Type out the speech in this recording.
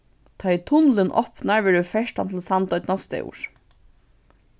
tá ið tunnilin opnar verður ferðslan til sandoynna stór